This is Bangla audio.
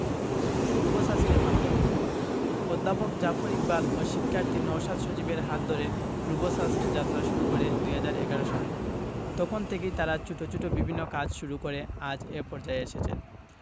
রোবোসাস্টের মাধ্যমে অধ্যাপক জাফর ইকবাল ও শিক্ষার্থী নওশাদ সজীবের হাত ধরে রোবোসাস্ট যাত্রা শুরু করে ২০১১ সালে তখন থেকেই তারা ছোট ছোট বিভিন্ন কাজ শুরু করে আজ এ পর্যায়ে এসেছেন